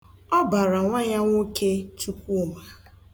Ọ bara nwa ya nwoke Chukwuma.